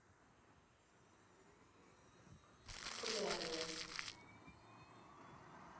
популярное